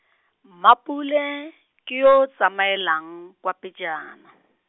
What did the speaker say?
Mmapule, ke yo o tsamaelang kwa pejana.